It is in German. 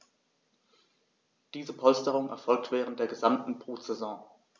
Diese Polsterung erfolgt während der gesamten Brutsaison.